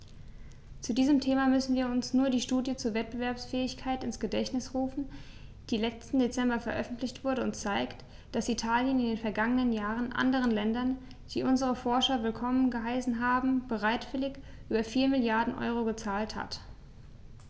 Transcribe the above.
Zu diesem Thema müssen wir uns nur die Studie zur Wettbewerbsfähigkeit ins Gedächtnis rufen, die letzten Dezember veröffentlicht wurde und zeigt, dass Italien in den vergangenen Jahren anderen Ländern, die unsere Forscher willkommen geheißen haben, bereitwillig über 4 Mrd. EUR gezahlt hat.